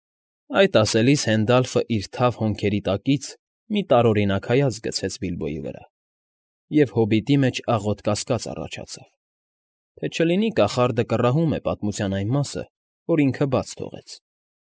Այդ ասելիս Հենդալֆը իր թավ հոնքերի տակից մի տարօրինակ հայացք գցեց Բիլբոյի վրա, և հոբիտի մեջ աղոտ կասկած առաջացավ, թե չլինի կախարդը կռահում է պատմության այն մասը, որ ինքը բաց թողեց։